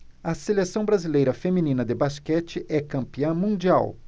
a seleção brasileira feminina de basquete é campeã mundial